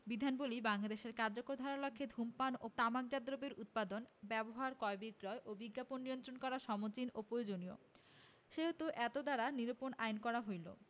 বিধানাবলী বাংলাদেশে কার্যকর করার লক্ষ্যে ধূমপান ও তামাকজাত দ্রব্যের উৎপাদন ব্যবহার ক্রয় বিক্রয় ও বিজ্ঞাপন নিয়ন্ত্রণ করা সমীচীন ও প্রয়োজনীয় সেহেতু এতদ্বারা নিম্নরূপ আইন করা হইল